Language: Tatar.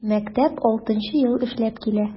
Мәктәп 6 нчы ел эшләп килә.